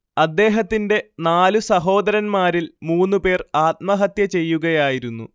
അദ്ദേഹത്തിന്റെ നാലു സഹോദരന്മാരിൽ മൂന്നുപേർ ആത്മഹത്യചെയ്യുകയായിരുന്നു